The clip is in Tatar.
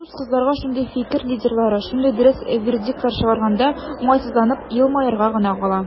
Дус кызларга шундый "фикер лидерлары" шундый дөрес вердиктлар чыгарганда, уңайсызланып елмаерга гына кала.